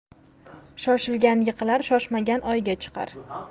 shoshilgan yiqilar shoshmagan oyga chiqar